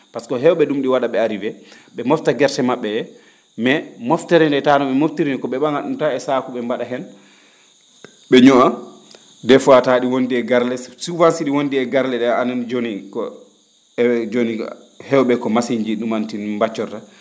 par ce que hew?e ?um ?i wa?a ?e arrivé ?e mofta gerse ma??e ?ee mais moftere ndee taa no ?e moftiri nii ko ?e ?a?at ?um tan e sakku ?e mba?a heen ?e ño'a des fois taa ?i wondi e garle souvent si ?i wondi e garle a?o anndi jooni ko hew?e ko masi?ji ?uman tin mbaccorta